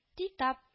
— титап